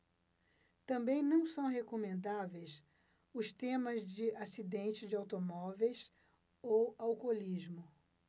também não são recomendáveis os temas de acidentes de automóveis ou alcoolismo